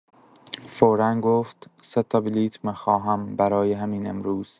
فورا گفت: «سه‌تا بلیت می‌خواهم برای همین امروز.»